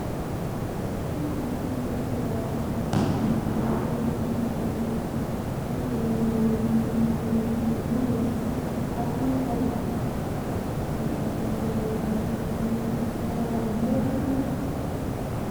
Fi keyti xibaar bu am binda yu xonxu binda yu weex binda yu nuul mongi ame lu bulu ak lu xonxu mongi ame lu weex mongi ame netal yu bari.